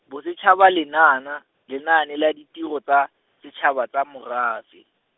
bosetshaba le naana, le naane la ditiro tsa, setshaba tsa morafe.